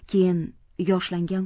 keyin yoshlangan